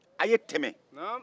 a' ye tɛmɛ